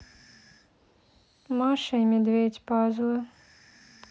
маша и медведь пазлы